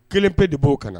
Kelen pe de b'o k'an na.